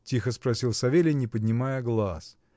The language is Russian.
— тихо спросил Савелий, не поднимая глаз.